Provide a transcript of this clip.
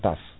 tasse